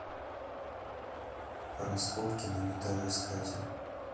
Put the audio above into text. раскопки на металлоискатель